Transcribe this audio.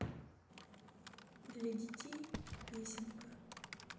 для детей песенка